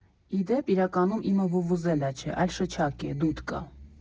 Ի դեպ, իրականում իմը վուվուզելա չէ, այլ շչակ է՝ դուդկա։